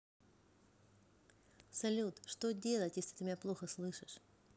салют что делать если ты меня плохо слышишь